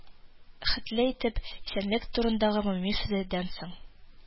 Хетле итеп, исәнлек турындагы гомуми сүзләрдән соң